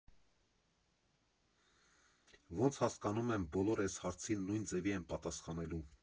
Ոնց հասկանում եմ, բոլորը էս հարցին նույն ձևի են պատասխանելու…